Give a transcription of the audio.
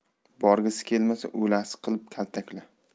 borgisi kelmasa o'lasi qilib kaltakla